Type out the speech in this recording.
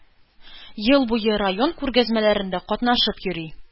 Ел буе район күргәзмәләрендә катнашып йөри.